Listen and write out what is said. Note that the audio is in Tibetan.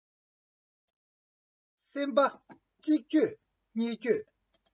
སེམས པ གཅིག འགྱོད གཉིས འགྱོད